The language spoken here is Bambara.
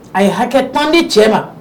A ye hakɛ tɔndi cɛ ma